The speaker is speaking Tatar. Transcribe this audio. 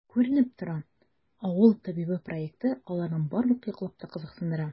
Күренеп тора,“Авыл табибы” проекты аларны барлык яклап та кызыксындыра.